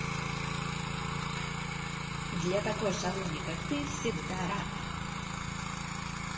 для такой шалуний как ты всегда рад